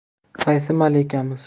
qaysi malikamiz